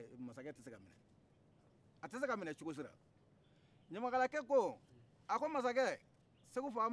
ɲamakalakɛ ko a ko masakɛ segu faama